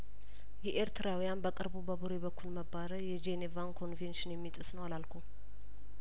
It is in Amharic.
የኤርትራውያን በቅርቡ በቡሬ በኩል መባረር የጄኔቫን ኮንቬንሽን የሚጥስ ነው አላልኩም